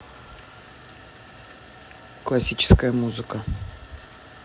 классическая музыка